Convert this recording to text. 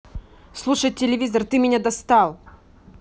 слушать телевизор ты меня достал